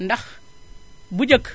ndax bu njëkk